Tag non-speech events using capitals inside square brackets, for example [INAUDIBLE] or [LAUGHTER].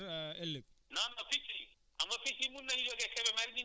mais mais si wàllu picc yi amul loo xam ne moom tam mun na ko aar [HESITATION] ëllëg